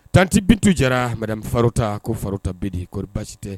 Tante Bintou Diarra madame Farota ko Farota be di kori basi tɛ